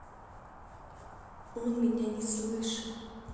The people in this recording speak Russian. он меня не слышит